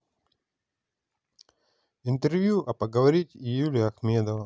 интервью а поговорить юлия ахмедова